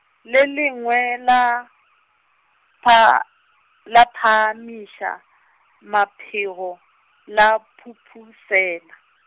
le lengwe la, pha-, la phaamiša, maphego la phuphusela.